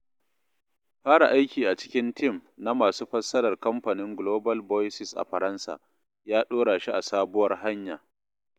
Fara aiki a cikin tim na masu fassarar Kamfanin Global Voices a Faransa ya ɗora shi a sabuwar hanya.